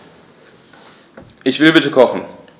Ich will bitte kochen.